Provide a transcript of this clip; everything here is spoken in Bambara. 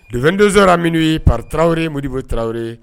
De2 donsoraw minnu ye pari tarawelerawre ye modibu taraweleraw ye